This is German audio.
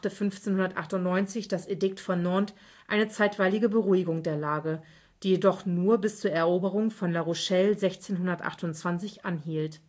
1598 das Edikt von Nantes eine zeitweilige Beruhigung der Lage, die jedoch nur bis zur Eroberung von La Rochelle (1628) anhielt